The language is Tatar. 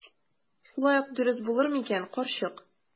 Шулай ук дөрес булыр микән, карчык?